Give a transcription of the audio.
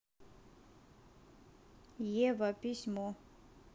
eva письмо